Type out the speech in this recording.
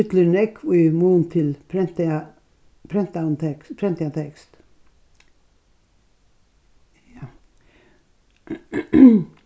fyllir nógv í mun til prentaða prentaðum prentaðan tekst ja